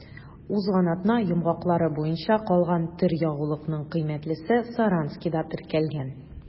Узган атна йомгаклары буенча калган төр ягулыкның кыйммәтлесе Саранскида теркәлгән.